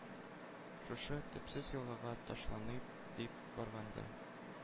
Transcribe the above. Шушы төпсез елгага ташланыйм дип барганда,